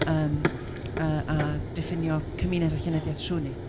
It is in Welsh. Yym yy a diffinio cymuned a llenyddiaith trwy 'ny.